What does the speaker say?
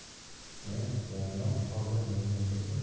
men yangam hozir menga butun